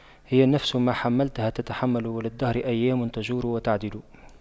هي النفس ما حَمَّلْتَها تتحمل وللدهر أيام تجور وتَعْدِلُ